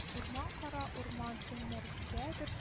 Урман, кара урман, кемнәргәдер